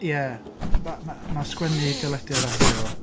Ie. Ma' ma' ma' sgwennu i deledu a radio...